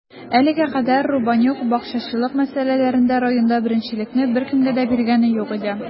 Әлегә кадәр Рубанюк бакчачылык мәсьәләләрендә районда беренчелекне беркемгә дә биргәне юк иде.